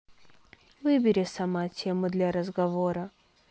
выбери сама тему для разговора